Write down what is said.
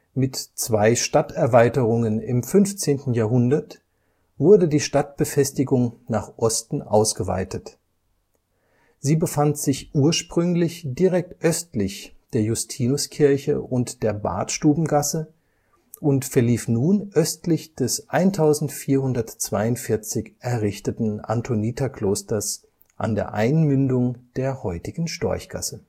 Mit zwei Stadterweiterungen im 15. Jahrhundert wurde die Stadtbefestigung nach Osten ausgeweitet. Sie befand sich ursprünglich direkt östlich der Justinuskirche und der Badstubengasse und verlief nun östlich des 1442 errichteten Antoniterklosters an der Einmündung der heutigen Storchgasse